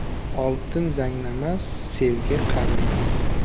oltin zanglamas sevgi qarimas